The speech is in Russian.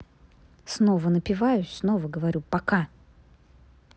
снова напиваюсь снова говорю пока